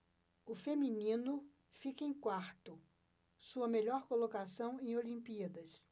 o feminino fica em quarto sua melhor colocação em olimpíadas